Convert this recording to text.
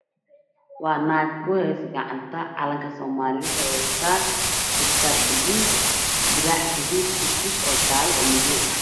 Waa naag kuheyso calanka soomaliyo gacanta waxay wadataa garbisaar buluug dirac guduud oo jaald madow ah